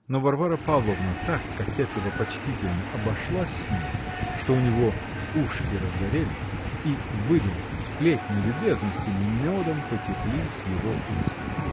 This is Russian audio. но Варвара Павловна так кокетливо-почтительно обошлась с ним, что у него ушки разгорелись, и выдумки, сплетни, любезности медом потекли с его уст.